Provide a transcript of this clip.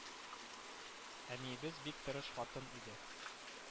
Әниебез бик тырыш хатын иде